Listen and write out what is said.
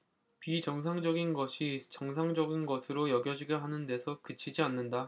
비정상적인 것이 정상적인 것으로 여겨지게 하는 데서 그치지 않는다